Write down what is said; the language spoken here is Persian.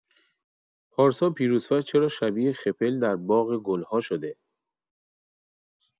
پارسا پیروزفر چرا شبیه خپل در باغ گل‌ها شده؟